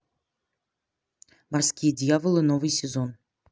морские дьяволы новый сезон